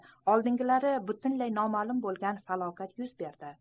oldinlari butunlay noma'lum bo'lgan falokat yuz berdi